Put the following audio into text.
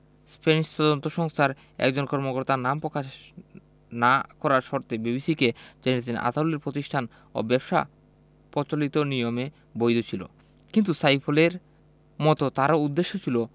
Spanish তদন্ত সংস্থার একজন কর্মকর্তা নাম প্রকাশ না করার শর্তে বিবিসিকে জানিয়েছেন আতাউলের প্রতিষ্ঠান ও ব্যবসা প্রচলিত নিয়মে বৈধ ছিল কিন্তু সাইফুলের মতো তারও উদ্দেশ্য ছিল